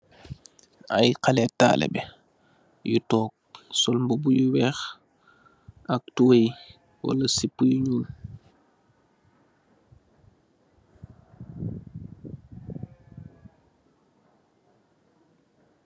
Ay xale talibe yu toog sol bubu yu weex ak tubaay wala sippu yu nyuul.